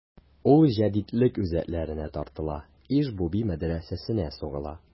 Ул җәдитлек үзәкләренә тартыла: Иж-буби мәдрәсәсенә сугыла.